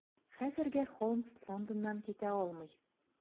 Хәзергә Холмс Лондоннан китә алмый.